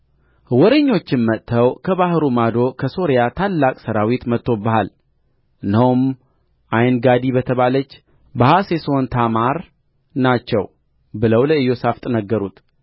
ወሬኞችም መጥተው ከባሕሩ ማዶ ከሶሪያ ታላቅ ሠራዊት መጥቶብሃል እነሆም ዓይንጋዲ በተባለች በሐሴሶን ታማር ናቸው ብለው ለኢዮሣፍጥ ነገሩት